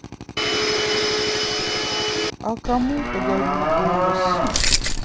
а кому подарил голос